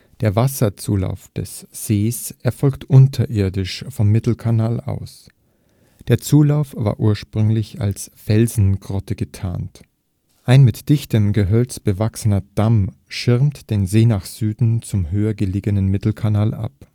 Der Wasserzulauf des Sees erfolgt unterirdisch vom Mittelkanal aus, der Zulauf war ursprünglich als Felsengrotte getarnt. Ein mit dichtem Gehölz bewachsener Damm schirmt den See nach Süden zum höher gelegenen Mittelkanal ab